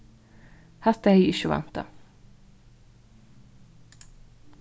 hatta hevði eg ikki væntað